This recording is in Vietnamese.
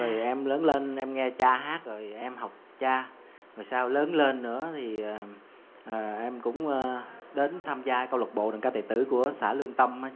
rồi em lớn lên em nghe cha hát rồi em học cha rồi sao lớn lên nữa thì à ờ em cũng a đến tham gia câu lạc bộ đờn ca tài tử của xã lương tâm á